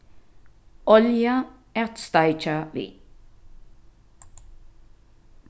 olja at steikja við